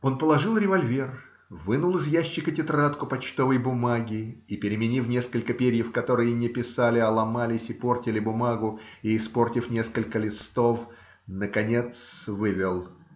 Он положил револьвер, вынул из ящика тетрадку почтовой бумаги и, переменив несколько перьев, которые не писали, а ломались и портили бумагу, и испортив несколько листов, наконец вывел